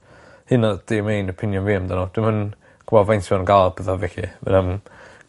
hynna 'di y main opinion fi amdano dwi'm yn gwo faint ma' nw'n ga'l a petha felly fydda'm